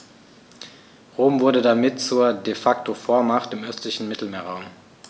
Rom wurde damit zur ‚De-Facto-Vormacht‘ im östlichen Mittelmeerraum.